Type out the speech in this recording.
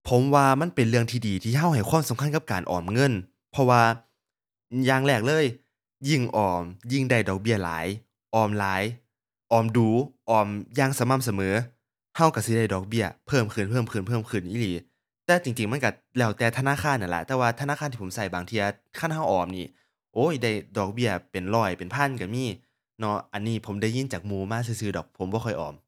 ผมว่ามันเป็นเรื่องที่ดีที่เราให้ความสำคัญกับการออมเงิน เพราะว่าอย่างแรกเลยเลย ยิ่งออมยิ่งได้ดอกเบี้ยหลาย ออมหลาย ออมดู๋ ออมอย่างสม่ำเสมอ เราเราสิได้ดอกเบี้ยเพิ่มขึ้นเพิ่มขึ้นเพิ่มขึ้นอีหลี แต่จริงจริงมันเราแล้วแต่ธนาคารนั่นล่ะ แต่ว่าธนาคารที่ผมเราบางเที่ยคันเราออมนี่ โอ๊ย ได้ดอกเบี้ยเป็นร้อยเป็นพันเรามีเนาะ อันนี้ผมได้ยินจากหมู่มาซื่อซื่อดอก ผมบ่ค่อยออม